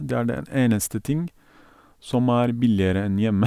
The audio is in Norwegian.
Det er den eneste ting som er billigere enn hjemme.